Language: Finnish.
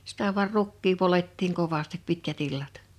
sitä vain rukkia poljettiin kovasti pitkät illat